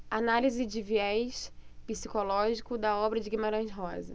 análise de viés psicológico da obra de guimarães rosa